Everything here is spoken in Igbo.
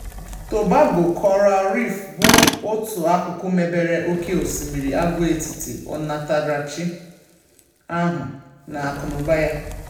Tobago Coral Reef bụ otu akụkụ mebere oke osimiri agwaetiti ọnatarachi ahụ na akụnaụba ya.